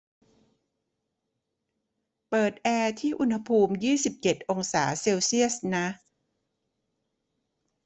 เปิดแอร์ที่อุณหภูมิยี่สิบเจ็ดองศาเซลเซียสนะ